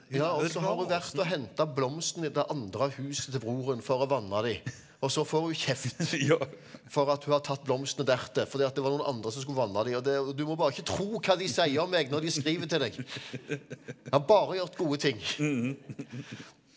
ja og så har hun vært å henta blomsten i det andre huset til broren for å vanne de og så får hun kjeft for at hun har tatt blomstene dertil fordi at det var noen andre som skulle vanne de og det du må bare ikke tro hva de sier om meg når de skriver til deg har bare gjort gode ting.